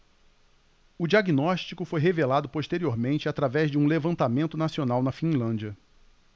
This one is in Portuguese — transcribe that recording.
o diagnóstico foi revelado posteriormente através de um levantamento nacional na finlândia